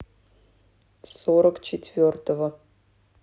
сорок четвертого